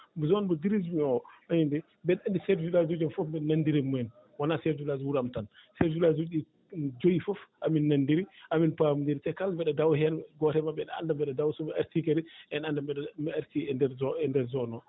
zone mo dirige mi o a nani de mbeɗa andi chef de village uji jam foof mbeɗo nanodir e mumen wona chef de village wuro am tan chef de village uuji am joyi fof amin nanonndiri amin paamonndiri te kala mbaɗa dawa heen gooto e maɓɓe ne annda mbeɗa dawa so mi artii kadi ene annda mi artii e ndeer zone o